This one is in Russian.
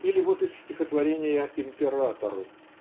Или вот из стихотворения "Императору"